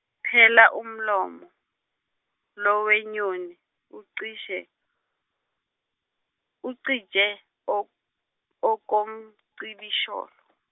phela umlomo, lo wenyoni, ucishe- ucije, ok- okom- okomcibisholo.